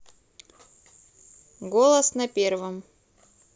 голос на первом